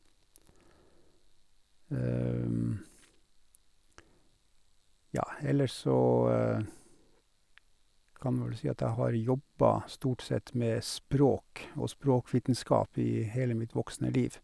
Ja, ellers så kan vi vel si at jeg har jobba stort sett med språk og språkvitenskap i hele mitt voksne liv.